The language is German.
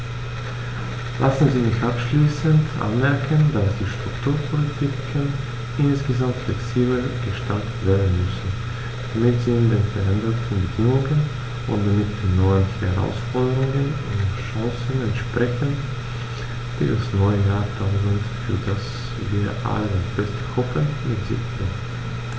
Lassen Sie mich abschließend anmerken, dass die Strukturpolitiken insgesamt flexibler gestaltet werden müssen, damit sie den veränderten Bedingungen und damit den neuen Herausforderungen und Chancen entsprechen, die das neue Jahrtausend, für das wir alle das Beste hoffen, mit sich bringt.